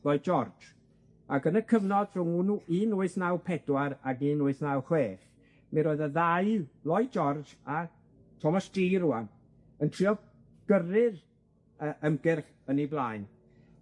Lloyd George, ac yn y cyfnod rhwng wn- w- un wyth naw pedwar ag un wyth naw chwech, mi roedd y ddau, Lloyd George a Thomas Gee rŵan, yn trio gyrru'r yy ymgyrch yn 'i blaen.